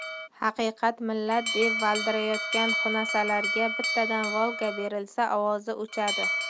haqiqat millat deb valdirayotgan xunasalarga bittadan volga berilsa ovozi o'chadi